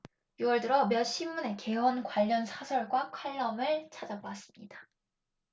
유 월 들어 몇 신문의 개헌 관련 사설과 칼럼을 찾아 보았습니다